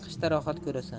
qishda rohat ko'rasan